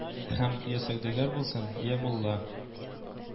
Һәм Я сәүдәгәр булсын, я мулла